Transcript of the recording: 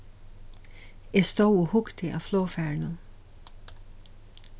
eg stóð og hugdi at flogfarinum